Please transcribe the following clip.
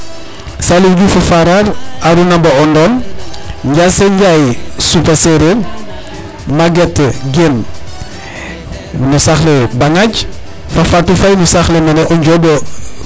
Saliou Diouf o Farar Arona Ba o Ndon Njase Ndiaye Supa sereer Maguette Diene no saax le baŋaj fo fatou Faye no saaxle mene o njoɓ